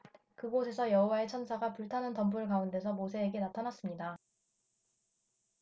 그곳에서 여호와의 천사가 불타는 덤불 가운데서 모세에게 나타났습니다